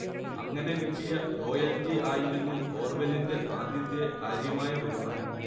അങ്ങനെ കിട്ടിയ റോയൽറ്റി ആയിരുന്നു ഓർവെലിന്റെ ആദ്യത്തെ കാര്യമായ വരുമാനം